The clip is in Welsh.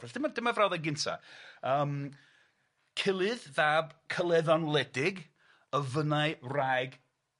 Felly dyma dyma'r frawddeg gynta yym Culydd fab Cyleddan Wledig, ofynnau wraig